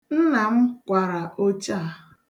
Nna m kwara oche a.